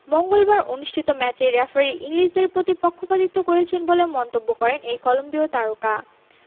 মঙ্গলবার অনুষ্ঠিত ম্যাচে রেফারি ইংলিশদের প্রতি পক্ষিপাতিত্ব করেছেন বলেও মন্তব্য করেন এই কলম্বিয় তারকা